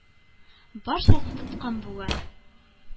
Барчасы тоткын бүген!..